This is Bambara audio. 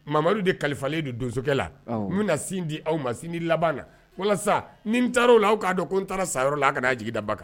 Mamadu de kalifalen don donso la. Awɔ! N bɛna sin di aw ma sin di laban na. Walasa ni taara o la, aw k'a dɔn ko n taara sayɔrɔ la a kana jigi da ba kan.